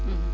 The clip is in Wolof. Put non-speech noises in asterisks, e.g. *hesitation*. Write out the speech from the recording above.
*hesitation* *hesitation*